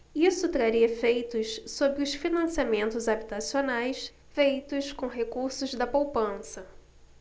isso traria efeitos sobre os financiamentos habitacionais feitos com recursos da poupança